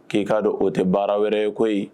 K'i k'a do o tɛ baara wɛrɛ ye koyi